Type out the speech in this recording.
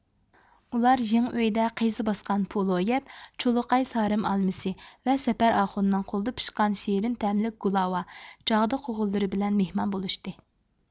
ئۇلار يېڭى ئۆيدە قىيزا باسقان پولۇ يەپ چۇلۇقاي سارىم ئالمىسى ۋە سەپەر ئاخۇننىڭ قولىدا پىشقان شېرىن تەملىك گۇلاۋا جاغدا قوغۇنلىرى بىلەن مېھمان بولۇشتى